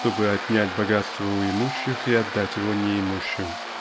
чтобы отнять богатство у имущих и отдать его неимущим.